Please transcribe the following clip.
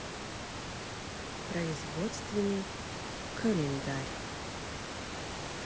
производственный календарь